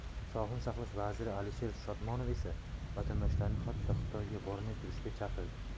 sog'liqni saqlash vaziri alisher shodmonov esa vatandoshlarni hatto xitoyga bormay turishga chaqirdi